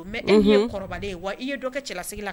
Ɔ mais unhun e min ye kɔrɔbalen ye wa i ye dɔ kɛ cɛlasigi la